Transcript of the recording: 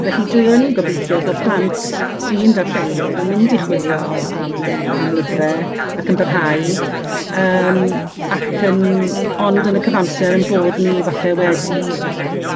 Felly, dwi yn gobeithio bo' plant sy'n ddarllenwyr yn mynd i chwilio am am am lyfre ac yn parhau yym ac yn ond yn y cyfamser 'yn bod ni falle wedi